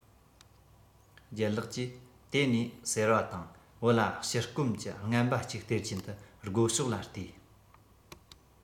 ལྗད ལགས ཀྱིས དེ ནས ཟེར བ དང བུ ལ ཕྱུར སྐོམ གྱི བརྔན པ གཅིག སྟེར གྱིན དུ སྒོ ཕྱོགས ལ བལྟས